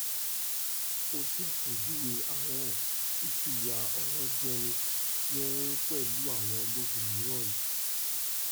Ó ṣe àpèjúwe àwọn ìfìyàorójẹni tí òun pẹ̀lú àwọn ológun mìíràn rí: